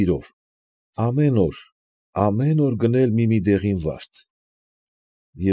Սիրով, ամեն օր ամեն օր գնել մի֊մի դեղին վարդ։